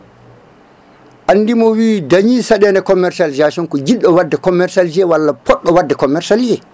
andi mo wi dañi caɗele commercialisation ko jiɗɗo wadde commercialisé walla poɗɗo wadde commercilisé